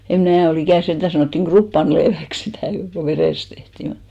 en minä ole ikinä sentään sanottiin kruppanaleiväksi sitä kun verestä tehtiin mutta